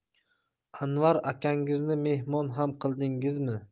anvar akangizni mehmon ham qildingizmi